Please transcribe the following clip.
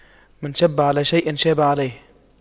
من شَبَّ على شيء شاب عليه